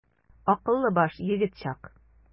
Акыллы баш, егет чак.